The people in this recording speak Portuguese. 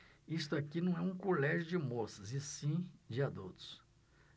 isto aqui não é um colégio de moças e sim de adultos